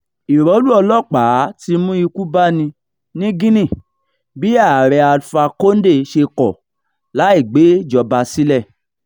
Ìrọ́lù ọlọ́pàá tí í mú ikú bá ni ní Guinea bí Ààrẹ Alpha Condé ṣe kọ̀ láì gbé' jọba sílẹ̀